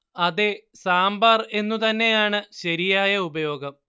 അതെ സാമ്പാർ എന്നു തന്നെയാണ് ശരിയായ ഉപയോഗം